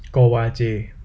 โกวาจี